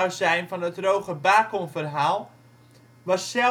zijn van het Roger Bacon-verhaal, was